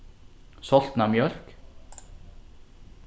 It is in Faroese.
soltna mjólk